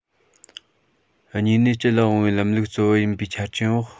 གཉིས ནས སྤྱི ལ དབང བའི ལམ ལུགས གཙོ བོ ཡིན པའི ཆ རྐྱེན འོག